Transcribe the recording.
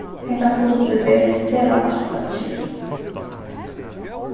hetta skuldi verið sera lætt at skilt